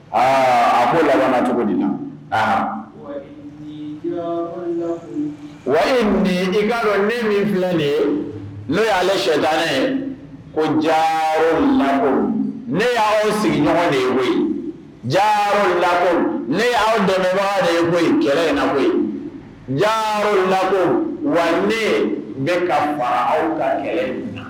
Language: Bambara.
A ko la cogo na wa nin i kaa dɔn ne min filɛ de ye n'o y'aale sɛdaɛ ye ko ja lakɔ ne y'aw sigiɲɔgɔn de koyi ja in lakɔ ne y'aw dɛmɛba de ye kɛlɛ in jaro in lakɔ wa ne ne ka fara aw ka kɛlɛ na